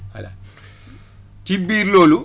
voilà ci biir loolu